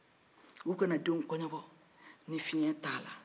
u kana denw kɔɲɔbɔ ni fiɲɛ t'a la